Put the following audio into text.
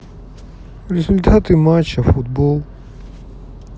результаты матча футбол